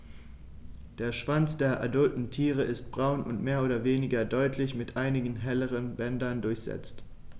Der Schwanz der adulten Tiere ist braun und mehr oder weniger deutlich mit einigen helleren Bändern durchsetzt.